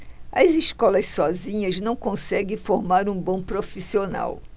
as escolas sozinhas não conseguem formar um bom profissional